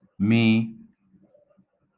m